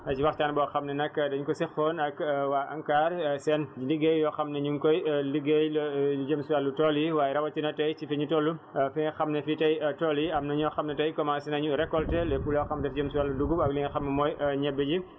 rajo communautaire yi lëkkaloo ak rajo Jabi jula FM si waxtaan boo xam ne nag dañ ko séqoon ak waa ANCAR seen liggéey yoo xam ni ñu ngi koy liggéey lu jëm si wàllu tool yi waaye rawatina tey ci fi ñu toll fi nga xam ne fi tay tool yi am na ñoo xam ne tay commencé nañu récolter lépp